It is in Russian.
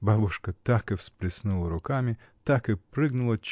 Бабушка так и всплеснула руками, так и прыгнула